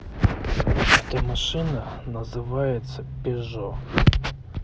эта машина называется пежо